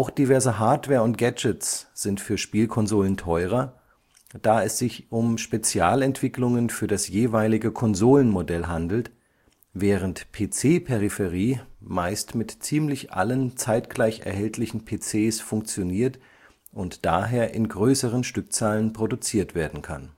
diverse Hardware und Gadgets sind für Spielkonsolen teurer, da es sich um Spezialentwicklungen für das jeweilige Konsolenmodell handelt, während PC-Peripherie meist mit ziemlich allen zeitgleich erhältlichen PCs funktioniert und daher in größeren Stückzahlen produziert werden kann